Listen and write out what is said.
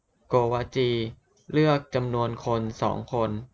โกวาจีเลือกจำนวนคนสองคน